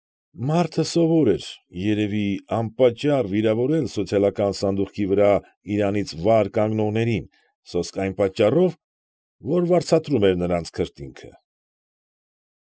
Մարդը սովոր էր, երևի, անպատճառ վիրավորել սոցիալական սանդուղքի վրա իրանից վար կանգնողներին սոսկ այն պատճառով, որ վարձատրում էր նրանց քրտինքը։